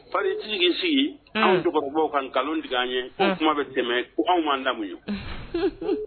Fa ti sigi tɔgɔ ka nkalon tigɛ an ye kuma bɛ tɛmɛ u anw'an damu ye